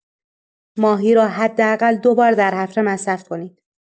ماهی را حداقل دو بار در هفته مصرف کنید.